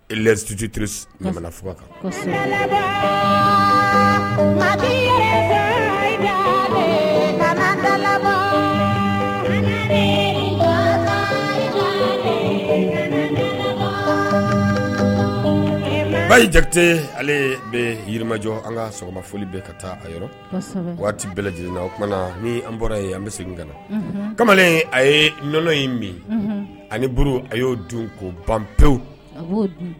sutiri f kan ba jate ale bɛ yirimajɔ an ka sɔgɔmaoli bɛ ka taa a yɔrɔ waati bɛɛ lajɛlenna oumana ni an bɔra yen an bɛ segin ka na kamalen a ye nɔnɔ in min aniuru a y'o dun ko ban pewu